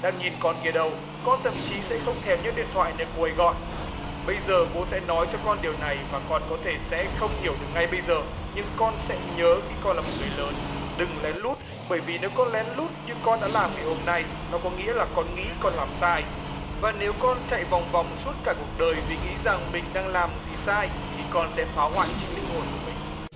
đang nhìn con kìa đâu con thậm chí sẽ không thèm nhấc điện thoại nếu cô ấy gọi bây giờ bố sẽ nói cho con điều này và con có thể sẽ không hiểu được ngay bây giờ nhưng con sẽ nhớ khi còn là một người lớn đừng lén lút bởi vì nếu con lén lút như con đã làm ngày hôm nay nó có nghĩa là con nghĩ con làm sai và nếu con chạy vòng vòng suốt cả cuộc đời vì nghĩ rằng mình đang làm gì sai thì con sẽ phá hoại chính linh hồn của mình